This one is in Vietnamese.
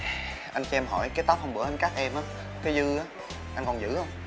anh cho em hỏi cái tóc hôm bữa anh cắt em cái dư á anh còn giữ không